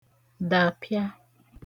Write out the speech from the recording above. dàpịa